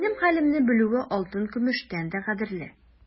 Минем хәлемне белүе алтын-көмештән дә кадерле.